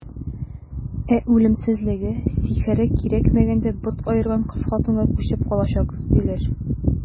Ә үлемсезлеге, сихере кирәкмәгәндә бот аерган кыз-хатынга күчеп калачак, диләр.